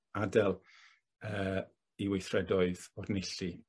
adel yy 'i weithredoedd o'r neilltu.